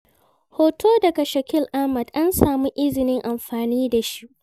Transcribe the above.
Hoto daga Shakil Ahmed, an samu izinin amfani da shi.